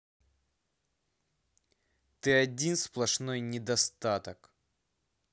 ты один сплошной недостаток